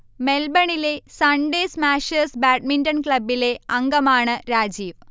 മെൽബണിലെ Sunday Smashers badminton ക്ലബിലെ അംഗമാണ് രാജീവ്